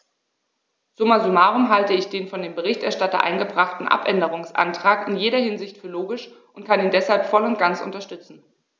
Summa summarum halte ich den von dem Berichterstatter eingebrachten Abänderungsantrag in jeder Hinsicht für logisch und kann ihn deshalb voll und ganz unterstützen.